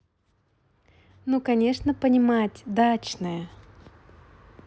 ну конечно понимать дачное